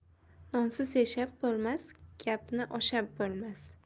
nonsiz yashab bo'lmas gapni oshab bo'lmas